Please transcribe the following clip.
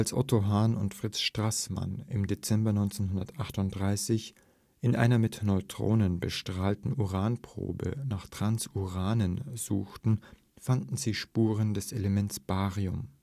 Otto Hahn und Fritz Straßmann im Dezember 1938 in einer mit Neutronen bestrahlten Uranprobe nach Transuranen suchten, fanden sie Spuren des Elements Barium